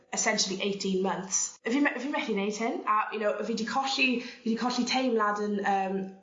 essentially eighteen months 'yf fi me- fi methu neud hyn a you know 'yf fi 'di colli fi 'di colli teimlad yn yym